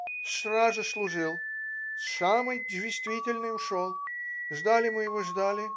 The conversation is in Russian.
в страже служил, с самой двистительной ушел. ждали мы его, ждали.